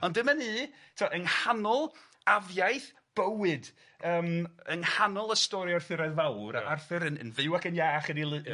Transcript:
Ond dyma ni t'mo' yng nghanol afiaith bywyd yym yng nghanol y stori Arthuraidd fawr... Ia. ...ag Arthur yn yn fyw ac yn iach yn ei ly-... Ie.